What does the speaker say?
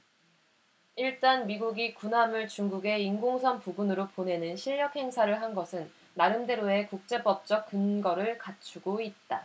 일단 미국이 군함을 중국의 인공섬 부근으로 보내는 실력행사를 한 것은 나름대로의 국제법적 근거를 갖추고 있다